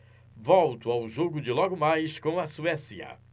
volto ao jogo de logo mais com a suécia